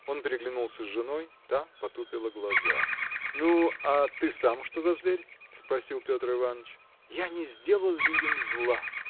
Он переглянулся с женой, та потупила глаза. – Ну, а ты сам что за зверь? – спросил Петр Иваныч. – Я не сделал людям зла!